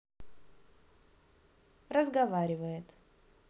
разговаривает